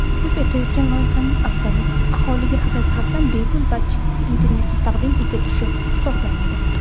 taklif etayotgan loyihaning afzalligi aholiga haqiqatan bepul va cheksiz internetni taqdim etilishi hisoblanadi